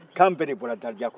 kan bɛɛ de bɔra darija kɔnɔ